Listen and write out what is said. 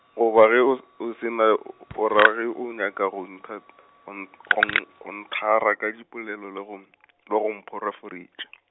goba re o s-, o se na , o ra ge o nyaka go ntha-, go n-, go n-, go nthera ka dipolelo le go m- , le go mphoraforetša.